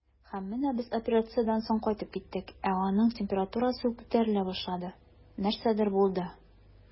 Һәм менә без операциядән соң кайтып киттек, ә аның температурасы күтәрелә башлады, нәрсәдер булды.